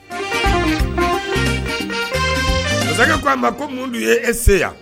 Masakɛ ko a ma ko mun y ye e se yan